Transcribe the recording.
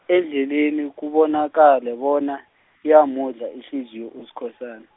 endleleni kubonakale bona, iyamudla ihliziyo Uskhosana.